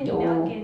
juu